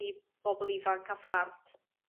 i bobol ifanc a phlant